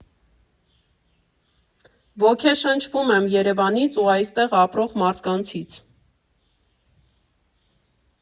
Ոգեշնչվում եմ Երևանից ու այստեղ ապրող մարդկանցից։